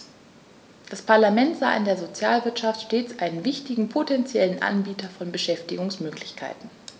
Das Parlament sah in der Sozialwirtschaft stets einen wichtigen potentiellen Anbieter von Beschäftigungsmöglichkeiten.